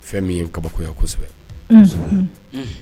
Fɛn min ye kabakoya kosɛbɛ